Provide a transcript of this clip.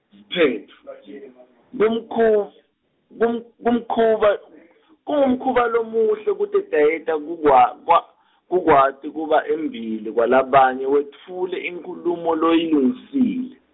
Siphetfo, kumkhu- kum- kumkhuba , kungumkhuba lomuhle kutetayeta kukwa, kwa, kukwati kuma embili kwalabanye wetfule inkhulumo loyilungisile.